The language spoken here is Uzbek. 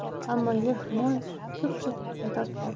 ammo yer hamon ko'pchib yotibdi